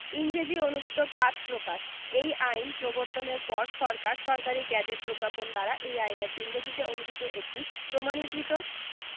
ইংরেজীতে অনুদিত পাঠ প্রকাশ এই আইন প্রবর্তনের পর সরকার সরকারী গেজেট প্রজ্ঞাপন দ্বারা এই আইনের ইংরেজীতে অনুদিত একটি প্রমাণীকৃত